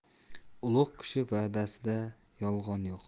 ulug' kishi va'dasida yolg'on yo'q